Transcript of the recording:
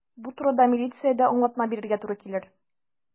Бу турыда милициядә аңлатма бирергә туры килер.